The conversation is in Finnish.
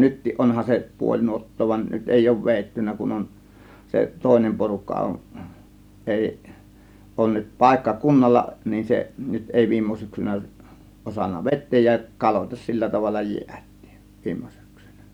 nytkin onhan se puoli nuottaa vaan nyt ei ole vedetty kun on se toinen porukka on ei ole nyt paikka kunnalla niin se nyt ei viime syksynä osannut vetää ja kaloitta sillä tavalla jäätiin viime syksynä